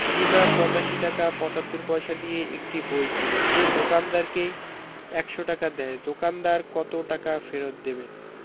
রিমা ৮৫ টাকা ৭৫ পয়সা দিয়ে একটি বই কিনে সে দোকানদারকে ১০০ টাকা দেয় দোকানদার কত টাকা ফেরত দেবেন